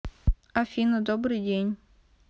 афина добрый день